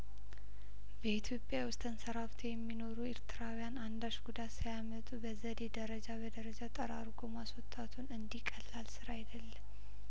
በኢትዮጵያ ውስጥ ተንሰራፍ ተው የሚኖሩ ኤርትራውያን አንዳች ጉዳት ሳያመጡ በዘዴ ደረጃ በደረጃ ጠራርጐ ማስወጣቱን እንዲህ ቀላል ስራ አይደለም